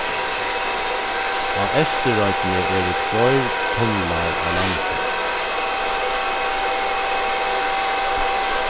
á eysturoynni eru tveir tunlar á landi